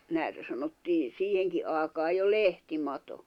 näitä sanottiin siihenkin aikaan jo lehtimato